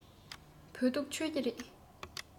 བོད ཐུག མཆོད ཀྱི རེད